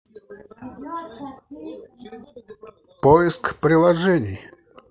поиск приложений